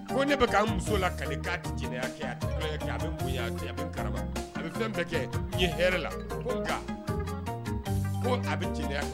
Ko ne muso la jɛnɛ bɛ karama a bɛ fɛn kɛ ye h la ko a bɛ jɛnɛ